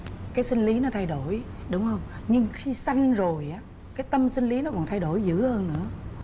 cái sinh lý nó thay đổi đúng hông nhưng khi sanh rồi á cái tâm sinh lý nó còn thay đổi dữ hơn nữa